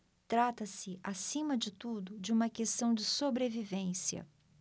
trata-se acima de tudo de uma questão de sobrevivência